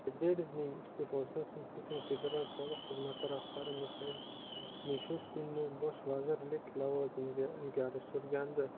medvedevning iste'fosidan so'ng putin federal soliq xizmati rahbari mixail mishustinni bosh vazirlik lavozimiga ilgari surgandi